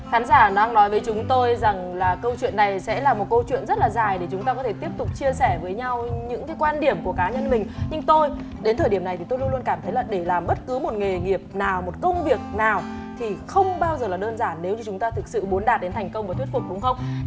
khán giả đang nói với chúng tôi rằng là câu chuyện này sẽ là một câu chuyện rất là dài để chúng ta có thể tiếp tục chia sẻ với nhau những cái quan điểm của cá nhân mình nhưng tôi đến thời điểm này thì tôi luôn luôn cảm thấy là để làm bất cứ một nghề nghiệp nào một công việc nào thì không bao giờ là đơn giản nếu như chúng ta thực sự muốn đạt đến thành công và thuyết phục đúng không